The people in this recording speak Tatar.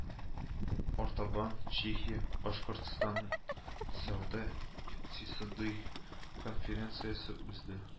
Артабан Чехия - Башкортстан сәүдә-икътисадый конференциясе узды